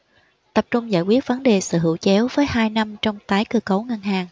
tập trung giải quyết vấn đề sở hữu chéo với hai năm trong tái cơ cấu ngân hàng